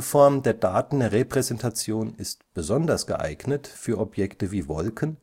Form der Datenrepräsentation ist besonders geeignet für Objekte wie Wolken,